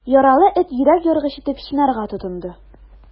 Яралы эт йөрәк яргыч итеп чинарга тотынды.